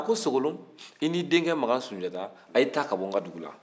a ko sogolon i n'i denkɛ makan sunjata aw ye taa ka bɔ n ka dugu la